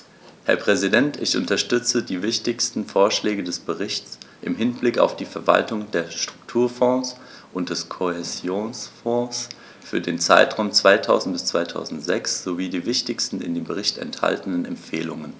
Herr Präsident, ich unterstütze die wichtigsten Vorschläge des Berichts im Hinblick auf die Verwaltung der Strukturfonds und des Kohäsionsfonds für den Zeitraum 2000-2006 sowie die wichtigsten in dem Bericht enthaltenen Empfehlungen.